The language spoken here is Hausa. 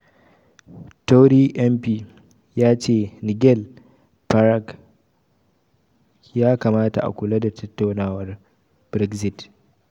Tory MP ya ce NIGEL FARAGE ya kamata a kula da tattaunawar Brexit